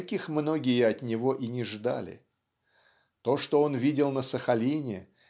каких многие от него и не ждали. То что он видел на Сахалине